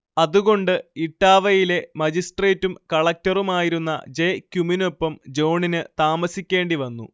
അതുകൊണ്ട് ഇട്ടാവയിലെ മജിസ്ട്രേറ്റും കളക്റ്ററുമായിരുന്ന ജെ കയുമിനൊപ്പം ജോണിന് താമസിക്കേണ്ടി വന്നു